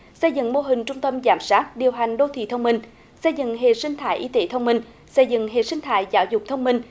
xây dựng mô hình trung tâm giám sát điều hành đô thị thông minh xây dựng hệ sinh thái y tế thông minh xây dựng hệ sinh thái giáo dục thông minh